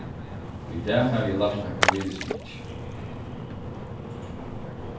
í dag havi eg lært nakað virðismikið